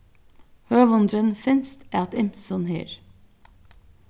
høvundurin finst at ymsum her